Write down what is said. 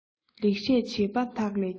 ལེགས བཤད བྱིས པ དག ལས ཀྱང